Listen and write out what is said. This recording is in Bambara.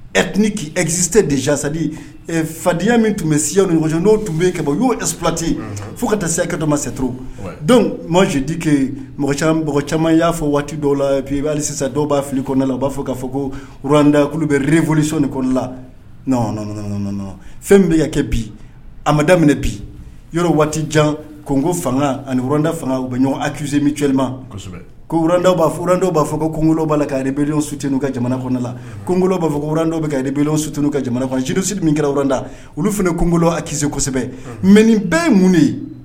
Ɛ ɛkikisɛse desadi fadenyaya min tun bɛ siya nisɔn n'o tun bɛ kɛ bɔ y'ofi filati fo ka taa sekamasasɛtouru don makandike caman y'a fɔ waati dɔw la i dɔw b'a fili kɔnɔna la a b'a fɔ k'a fɔ ko wda bɛ plisi ni kolila fɛn bɛ ka kɛ bi a mada bi yɔrɔ waati jan ko nko fanga ani wda fanga bɛ ɲɔgɔn a kikisɛse mincɛlima ko wranda'aran dɔw b'a fɔ ko n'a ka bere sutinu ka jamana la ko ngɔ b'a fɔ ko wrandɔ bɛ ka ale bele sutinu ka jamana siurusi min kɛra wda olu fana kungo a kise kosɛbɛ mɛ nin bɛɛ ye mun de ye